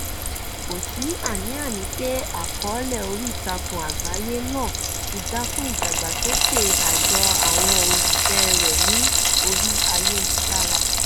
Kò sí àníàní pé àkọọ́lẹ̀ oríìtakùn àgbáyé náà ti dá kún ìdàgbàsókè àjọ àwọn olùfẹ́ rẹ̀ ní orí ayélujára.